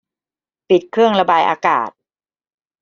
ปิดเครื่องระบายอากาศ